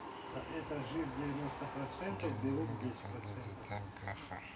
гелентваген пакета time каха